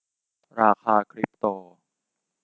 ราคาคริปโต